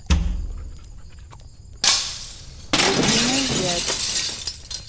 любимый зять